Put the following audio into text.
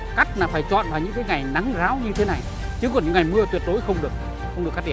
cắt là phải chọn vào những cái ngày nắng ráo như thế này chứ còn những ngày mưa tuyệt đối không được không được cắt tỉa